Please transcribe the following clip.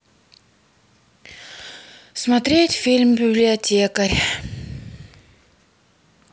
смотреть фильм библиотекарь